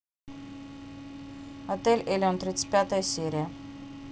отель элеон тридцать пятая серия